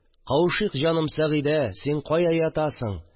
«кавышыйк, җаным сәгыйдә, син кая ятасың?»